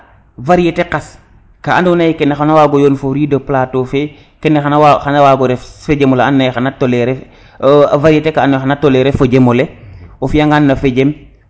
varieté qas ka ando naye kene xana wago yoon fo riz de plateau fe kene xana wago ref fojemole xana waago tolerer varieté ka ando naye xana tolerer fojemole o fiyangn no fojem